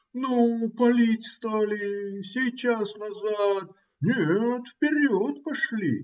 - Ну, палить стали, сейчас назад. Нет, вперед пошли.